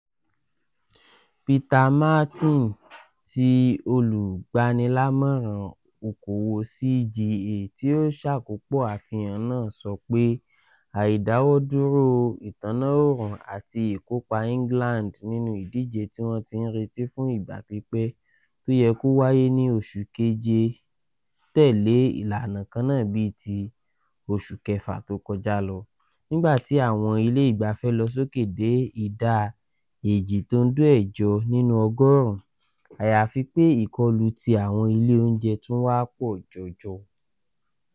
Peter Martin, tí Olùgbanilámọ̀ràn okòwò CGA, tí ó ṣàkópọ̀ àfihàn náà, sọ pé: "Àídáwọ́dúró ìtàná òórùn àti ìkópa England nínú ìdíje tí wọ́n ti ń retí fún ìgbà pípẹ́ tó yẹ kó wáyé ní oṣù kejè tẹ̀lé ìlànà kanáà bíì ti oṣù kẹfà tó kọjá lọ, nígbà tí àwọn ilé ìgbafẹ́ lọ sókè dé ìda 2.8 nínú ọgọ́ọ̀rún, àyàfi pé ìkọlù ti àwọn ilé óùnjẹ tún wá pọ̀ jọjọ.